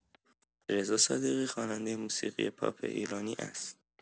رضا صادقی خواننده موسیقی پاپ ایرانی است.